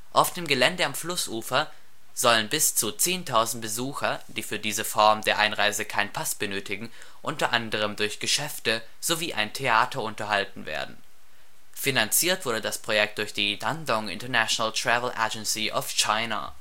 Auf dem Gelände am Flussufer sollen bis zu 10.000 Besucher, die für diese Form der Einreise keinen Pass benötigen, u. a. durch Geschäfte sowie ein Theater unterhalten werden. Finanziert wurde das Projekt durch die „ Dandong International Travel Agency of China